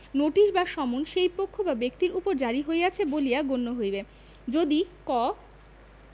notice বা সমন সেই পক্ষ বা ব্যক্তির উপর জারী হইয়াছে বলিয়া গণ্য হইবে যদি ক